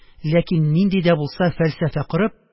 Ләкин нинди дә булса фәлсәфә корып,